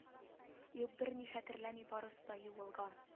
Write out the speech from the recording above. Юк берни хәтерләми барысы да юылган